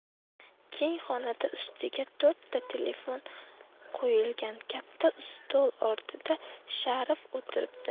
keng xonada ustiga to'rtta telefon qo'yilgan katta ustol ortida sharif o'tiribdi